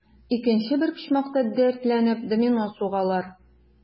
Икенче бер почмакта, дәртләнеп, домино сугалар.